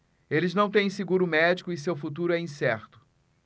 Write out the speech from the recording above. eles não têm seguro médico e seu futuro é incerto